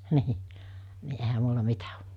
niin niin eihän minulla mitä ole